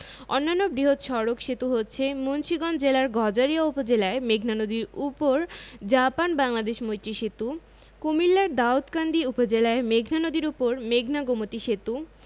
অন্যান্য বৃহৎ সড়ক সেতু হচ্ছে মুন্সিগঞ্জ জেলার গজারিয়া উপজেলায় মেঘনা নদীর উপর জাপান বাংলাদেশ মৈত্রী সেতু কুমিল্লার দাউদকান্দি উপজেলায় মেঘনা নদীর উপর মেঘনা গোমতী সেতু